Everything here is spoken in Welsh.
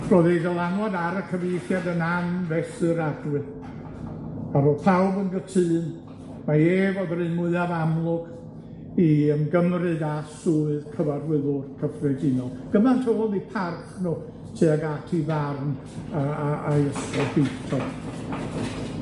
Roedd ei dylanwad ar y cyfieithiad yn anfesuradwy, a ro'dd pawb yn gytûn mai ef o'dd yr un mwyaf amlwg i ymgymryd â swydd cyfarwyddwr cyffredinol, gymant o'dd eu parch nw tuag at 'i farn a- a- a'i ysgolheictod.